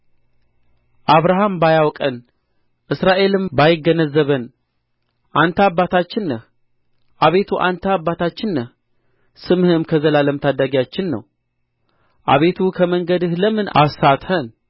አብርሃም ባያውቀን እስራኤልም ባይገነዘበን አንተ አባታችን ነህ አቤቱ አንተ አባታችን ነህ ስምህም ከዘላለም ታዳጊያችን ነው አቤቱ ከመንገድህ ለምን አሳትኸን